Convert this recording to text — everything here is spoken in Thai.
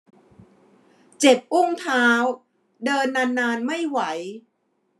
เจ็บอุ้งเท้าเดินนานนานไม่ไหว